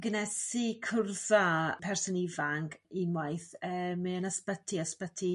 g'nes i cwrdd a person ifanc unwaith yy mewn ysbyty ysbyty